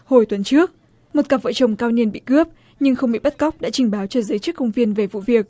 hồi tuần trước một cặp vợ chồng cao niên bị cướp nhưng không bị bắt cóc đã trình báo cho giới chức công viên về vụ việc